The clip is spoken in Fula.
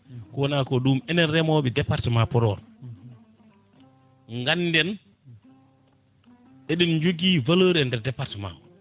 kowonako ɗum enen remoɓe département Podor ganden eɗen joogui valeur e nder département